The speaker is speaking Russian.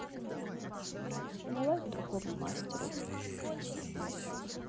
давай к другому мастеру